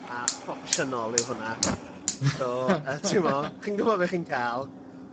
a proffesiynol yw hwnna. So yy t'mo' chi'n gwbo be' chi'n ca'l.